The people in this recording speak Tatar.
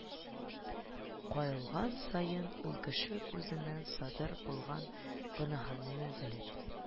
Кыйлган саен, ул кеше үзеннән садыр булган гөнаһыны белеп,